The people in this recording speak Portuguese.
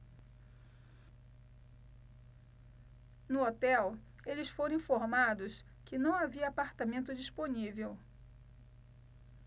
no hotel eles foram informados que não havia apartamento disponível